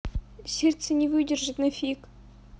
сердце не выдержит на фиг